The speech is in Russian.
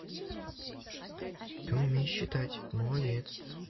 ты умеешь считать молодец